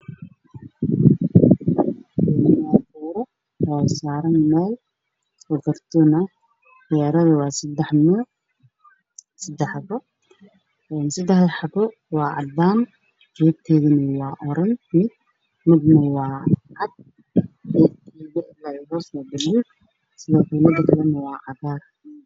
Waa meel yaalo miis waxaa saaran saddex feero midabkooda uu yahay caddaan